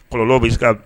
Kɔlɔlɔ bɛi